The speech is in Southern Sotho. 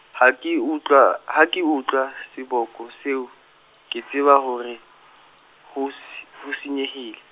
ha a ke utlwa, ha ke utlwa, seboko seo, ke tseba hore, ho s-, ho senyehile.